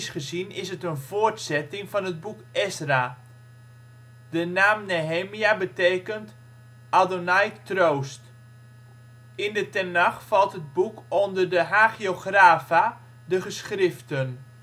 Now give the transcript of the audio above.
gezien is het een voortzetting van het boek Ezra. De naam Nehemia betekent " Yahweh troost ". In de tenach valt het boek onder de ' Hagiographa ', de geschriften